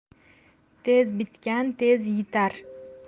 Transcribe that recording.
tez bitgan tez yitar